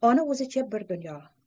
ona o'zicha bir dunyo